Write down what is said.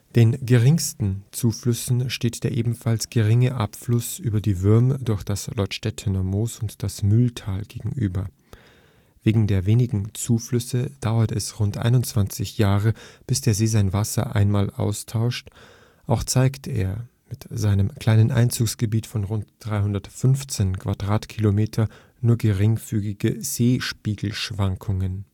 Den geringen Zuflüssen steht der ebenfalls geringe Abfluss über die Würm durch das Leutstettener Moos und das Mühltal gegenüber. Wegen der wenigen Zuflüsse dauert es rund 21 Jahre, bis der See sein Wasser einmal austauscht, auch zeigt er mit seinem kleinen Einzugsgebiet von rund 315 Quadratkilometer nur geringfügige Seespiegelschwankungen